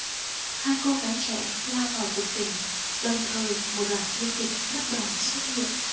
hai cô gái trẻ lao vào cuộc tình đồng thời một loạt bi kịch bắt đầu xuất hiện